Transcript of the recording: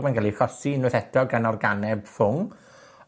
Mae'n ga'l 'i achosi unwaith eto gan organeb ffwng.